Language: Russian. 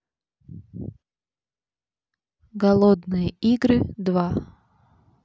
голодные игры два